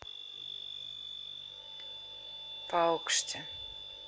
паукште